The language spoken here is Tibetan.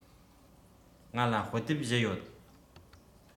ང ལ དཔེ དེབ བཞི ཡོད